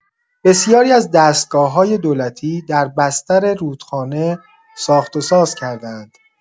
بسیاری از دستگاه‌های دولتی در بستر رودخانه ساخت‌وساز کرده‌اند.